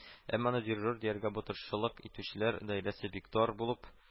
Әмма аны Дирижер дияргә батырчылык итүчеләр даирәсе бик тар булып